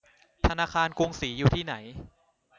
ธนาคารกรุงศรีอยู่ที่ไหน